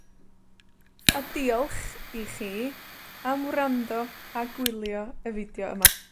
A diolch i chi am wrando a gwylio y fideo yma.